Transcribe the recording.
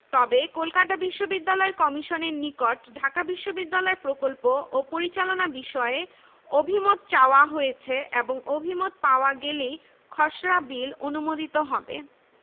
কাউন্সিলে উত্থাপিত বিলটি বিবেচনার জন্য পাঠায় নভেম্বর মাসের ১ তারিখে কলকাতা বিশ্ববিদ্যালয় সিনেট বিলটি পরীক্ষা করার জন্য ৯ সদস্য বিশিষ্ট একটি কমিটি গঠন করে